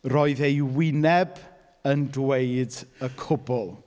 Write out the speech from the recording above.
Roedd ei wyneb yn dweud y cwbl.